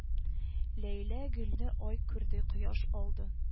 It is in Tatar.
Ләйлә гөлне ай күрде кояш алды